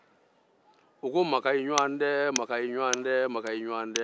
u ko makan i ɲɔgɔn tɛ